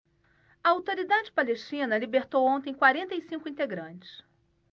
a autoridade palestina libertou ontem quarenta e cinco integrantes